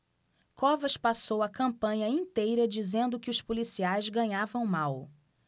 covas passou a campanha inteira dizendo que os policiais ganhavam mal